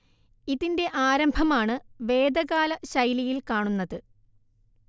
ഇതിന്റെ ആരംഭമാണ് വേദകാല ശൈലിയിൽ കാണുന്നത്